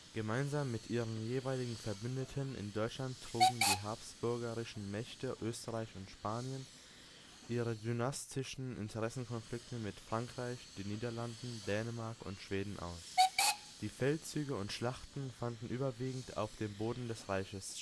Gemeinsam mit ihren jeweiligen Verbündeten in Deutschland trugen die habsburgischen Mächte Österreich und Spanien ihre dynastischen Interessenkonflikte mit Frankreich, den Niederlanden, Dänemark und Schweden aus. Die Feldzüge und Schlachten fanden überwiegend auf dem Boden des Reiches